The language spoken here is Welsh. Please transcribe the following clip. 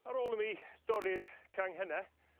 Ar ôl i fi dorri'r canghenne